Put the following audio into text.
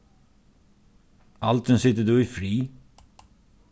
aldrin situr tú í frið